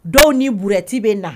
Dɔw ni blɛti bɛ na